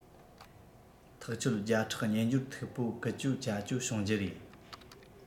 ཐག ཆོད བརྒྱ ཕྲག སྨྱན སྦྱོར མཐུག པོ ཀུ ཅོ ཅ ཅོ བྱུང རྒྱུ རེད